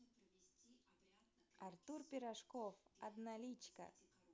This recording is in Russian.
артур пирожков одноличка